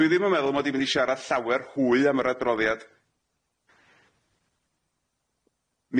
Dwi ddim yn meddwl mod i mynd i sharad llawer hwy am yr adroddiad.